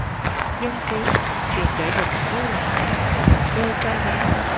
dân trí chuyện kể về tình yêu lãng mạn giữa một đôi trai gái